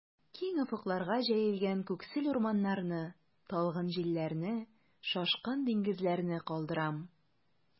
Киң офыкларга җәелгән күксел урманнарны, талгын җилләрне, шашкын диңгезләрне калдырам.